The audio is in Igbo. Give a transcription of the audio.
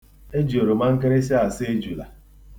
E ji oromankịrịsị asa ejula.